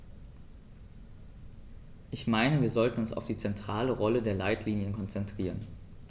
Ich meine, wir sollten uns auf die zentrale Rolle der Leitlinien konzentrieren.